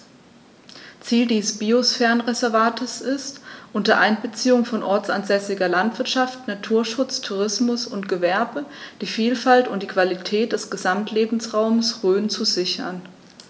Ziel dieses Biosphärenreservates ist, unter Einbeziehung von ortsansässiger Landwirtschaft, Naturschutz, Tourismus und Gewerbe die Vielfalt und die Qualität des Gesamtlebensraumes Rhön zu sichern.